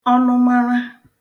ọnụmara